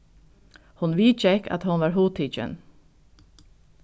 hon viðgekk at hon var hugtikin